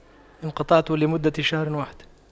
انقطعت لمدة شهر واحد